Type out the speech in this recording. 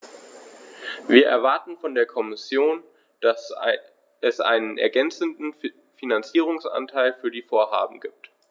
Wir erwarten von der Kommission, dass es einen ergänzenden Finanzierungsanteil für die Vorhaben gibt.